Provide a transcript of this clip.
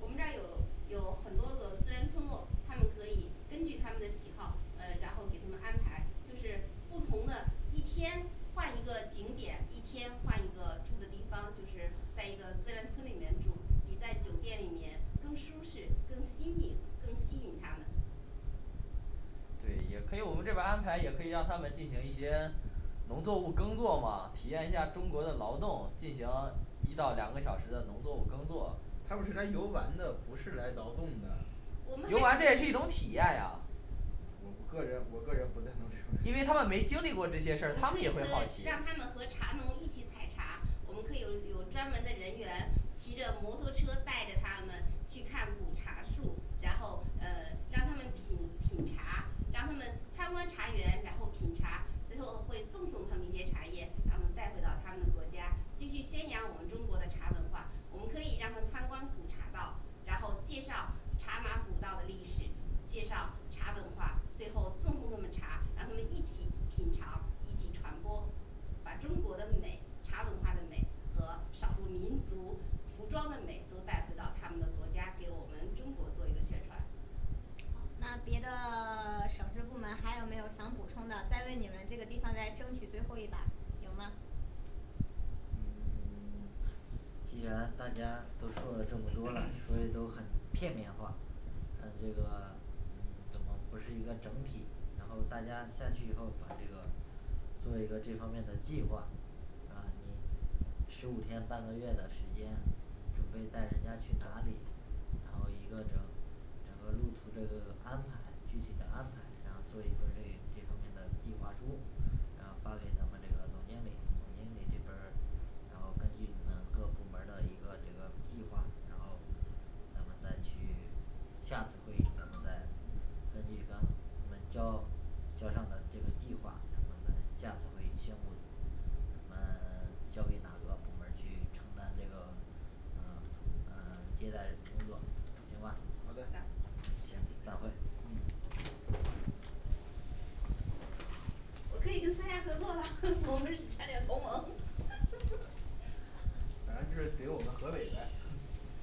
我们这儿有有很多个自然村落他们可以根据他们的喜好呃然后给他们安排就是不同的一天换一个景点一天换一个住的地方就是在一个自然村里面住比在酒店里面更舒适更新颖更吸引他们对也可以我们这边儿安排也可以让他们进行一些农作物耕作嘛体验一下儿中国的劳动进行一到两个小时的农作物耕作他们是来游玩的不是来劳动的我们游玩儿这也是一种体验呀我个人我个人不赞同因为这他种 们没经历过这我们可以些事和儿他们也会好奇让他们和茶农一起采茶我们可以有有专门的人员骑着摩托车带着他们去看古茶树然后呃让他们品品茶让他们参观茶园然后品茶最后会赠送他们一些茶叶让他们带回到他们的国家继续宣扬我们中国的茶文化我们可以让他参观古茶道然后介绍茶马古道的历史介绍茶文化最后赠送他们茶让他们一起品尝一起传播把中国的美茶文化的美和少数民族服装的美都带回到他们的国家给我们中国做一个宣传那别的省市部门还有没有想补充的再为你们这个地方再争取最后一把有吗怎么不是一个整体然后大家下去以后把这个做一个这方面的计划是吧你十五天半个月的时间准备带人家去哪里然后一个整整个路途的一个安排具体的安排然后做一个这这东西的计划书我们 交给哪个部门儿去承担这个嗯嗯接待工作行吧好好的的行散会嗯我可以跟三亚合作啦我们是战略同盟 本来就是给我们河北的